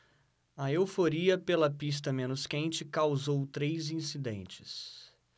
a euforia pela pista menos quente causou três incidentes